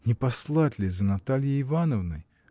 Не послать ли за Натальей Ивановной?